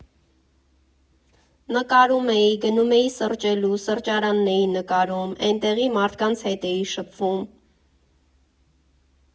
Նկարում էի, գնում էի սրճելու, սրճարանն էի նկարում, էնտեղի մարդկանց հետ էի շփվում։